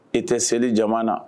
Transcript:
E tɛ seli jamana na